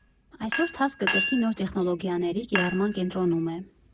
Այսօր «Թասկը» կրկին նոր տեխնոլոգիաների կիրառման կենտրոնում է։